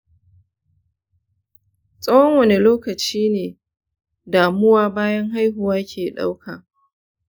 tsawon wane lokacin ne damuwa bayan haihuwa ke ɗauka?